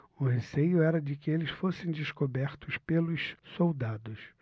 o receio era de que eles fossem descobertos pelos soldados